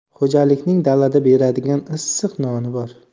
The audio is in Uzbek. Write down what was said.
xo'jalikning dalada beradigan issiq noni bor